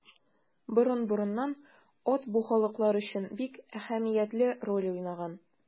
Борын-борыннан ат бу халыклар өчен бик әһәмиятле роль уйнаган.